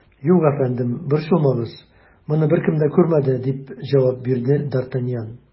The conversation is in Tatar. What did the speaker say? Юк, әфәндем, борчылмагыз, моны беркем дә күрмәде, - дип җавап бирде д ’ Артаньян.